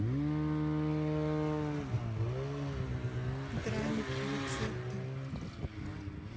драники рецепты